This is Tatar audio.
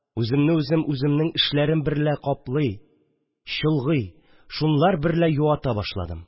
Үземне үзем үземнең эшләрем берлә каплый, чолгый, шулар берлә юата башладым